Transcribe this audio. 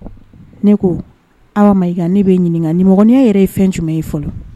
Ne ko ma i ne bɛ ɲininka niɔgɔnya yɛrɛ ye fɛn jumɛn ye fɔlɔ